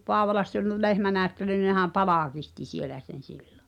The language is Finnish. Paavolassa oli lehmänäyttely no nehän palkitsi siellä sen silloin